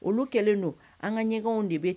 Olu kɛlen don an ka ɲɛw de bɛ